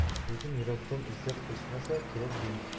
lekin yurakdan izzat qilishmasa kerak deyman